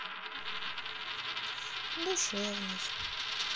душевный